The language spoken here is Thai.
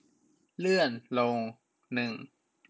เลื่อนลงหนึ่ง